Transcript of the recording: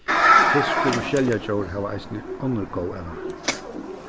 fiskur og skeljadjór hava eisini onnur góð evni